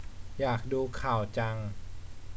อยากดูข่าวจัง